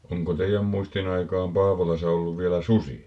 onko teidän muistin aikaan Paavolassa ollut vielä susia